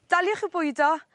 Daliwch y bwydo